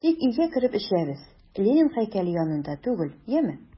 Тик өйгә кереп эчәбез, Ленин һәйкәле янында түгел, яме!